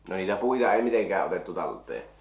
no niitä puita ei mitenkään otettu talteen